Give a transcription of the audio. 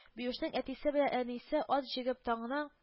Биюшнең әтисе белән әнисе ат җигеп таңнан